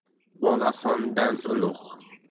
bola xondan ulug'